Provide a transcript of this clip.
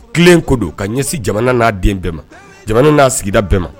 Tilelen ko don ka ɲɛsin jamana n'a den bɛɛ ma jamana n'a sigida bɛɛ ma